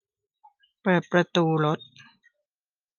เปิดประตูรถ